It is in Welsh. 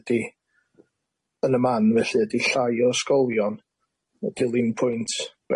ydi yn y man felly ydi llai o ysgolion 'di o ddim pwynt